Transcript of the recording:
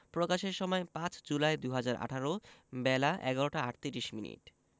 প্রকাশের সময় ৫ জুলাই ২০১৮ বেলা ১১টা ৩৮ মিনিট